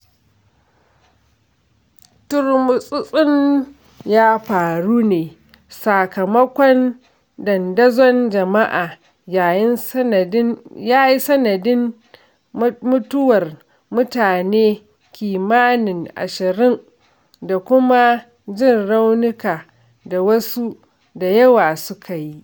Turmutsutsun ya faru ne sakamakon dandazon jama'a yayi sanadin mutuwar mutane kimanin 20 da kuma jin raunika da wasu da yawa suka yi.